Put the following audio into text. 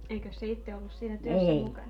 eikös se itse ollut siinä työssä mukana